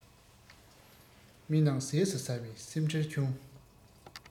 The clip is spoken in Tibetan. གང བྱུང དེ གར ཟ བས རྩོལ སྒྲུབ སླ